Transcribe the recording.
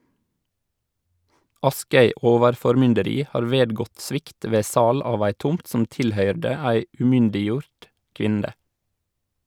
Askøy overformynderi har vedgått svikt ved sal av ei tomt som tilhøyrde ei umyndiggjord kvinne.